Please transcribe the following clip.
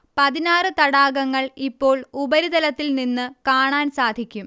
പതിനാറ് തടാകങ്ങൾ ഇപ്പോൾ ഉപരിതലത്തിൽ നിന്ന് കാണാൻ സാധിക്കും